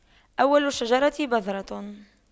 أول الشجرة بذرة